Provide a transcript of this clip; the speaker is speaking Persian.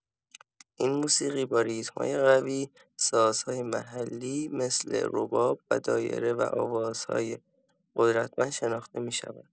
این موسیقی با ریتم‌های قوی، سازهای محلی مثل رباب و دایره و آوازهای قدرتمند شناخته می‌شود.